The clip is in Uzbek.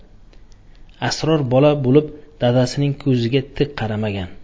sror bola bo'lib dadasining ko'ziga tik qaramagan